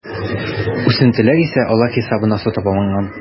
Үсентеләр исә алар хисабына сатып алынган.